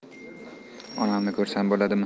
onamni ko'rsam bo'ladimi